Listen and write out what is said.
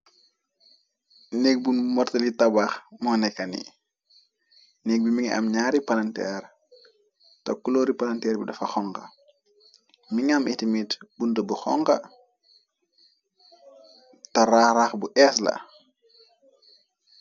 Nek bu mortali tabax moo nekani nek bi mi nga am ñaari palanteer ta kuloori palanteer bi dafa xonga mi nga am itimit bundë bu xonga ta raaraax bu eesla.